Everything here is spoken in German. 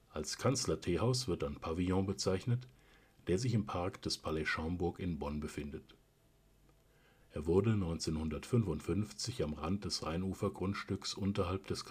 Als Kanzler-Teehaus wird ein Pavillon bezeichnet, der sich im Park des Palais Schaumburg in Bonn befindet. Er wurde 1955 am Rand des Rheinufer-Grundstücks unterhalb des